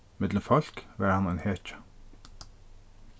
millum fólk var hann ein hetja